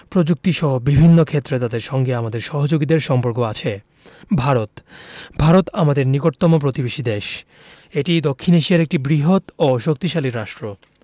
প্রযুক্তিসহ বিভিন্ন ক্ষেত্রে তাদের সঙ্গে আমাদের সহযোগিতার সম্পর্ক আছে ভারত ভারত আমাদের নিকটতম প্রতিবেশী দেশএটি দক্ষিন এশিয়ার একটি বৃহৎ ও শক্তিশালী রাষ্ট্র